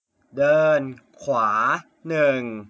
เดินขวาหนึ่ง